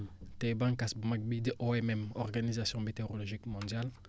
te bànqaas bu mag bii di OMM organisation météorologique mondiale